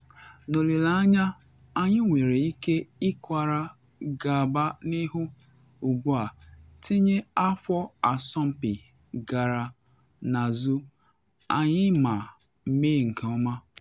N’olile anya, anyị nwere ike ịkwara gaba n’ihu ugbu a, tinye afọ asọmpi gara n’azụ anyị ma mee nke ọma.”